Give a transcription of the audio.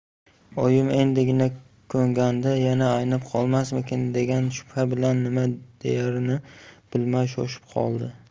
oyim endigina ko'nganda yana aynib qolmasmikin degan shubha bilan nima deyarini bilmay shoshib qoldi